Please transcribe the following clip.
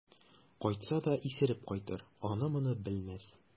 Кайтса да исереп кайтыр, аны-моны белмәс.